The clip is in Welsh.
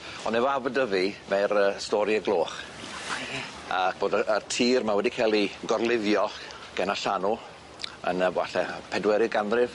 On' efo Aberdyfi mae'r yy stori y gloch. O ie. A bod y y tir 'ma wedi ca'l 'i gorlifio gen y llanw yn y walle pedwerydd ganrif.